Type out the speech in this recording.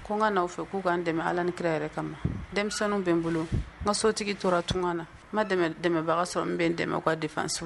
Kɔn n ka n'aw fɛ k'u k ka dɛmɛ ala ni kira yɛrɛ kama denmisɛnninw bɛ n bolo n ka sotigi tora tun na n ma dɛmɛbaga sɔrɔ bɛn dɛmɛ ka defa segu